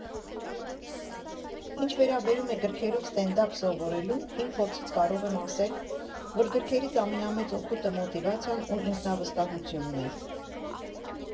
Ինչ վերաբերում է գրքերով ստենդափ սովորելուն, իմ փորձից կարող եմ ասել, որ գրքերից ամենամեծ օգուտը մոտիվացիան ու ինքնավստահությունն է։